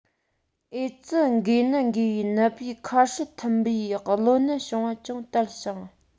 ཨེ ཙི འགོས ནད འགོས པའི ནད པའི ཁ ཧྲི ཐུམ འབུའི གློ ནད བྱུང བ ཅུང དལ ཞིང